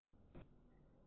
མཐུན སྒྲིལ རྡོག རྩ གཅིག སྒྲིལ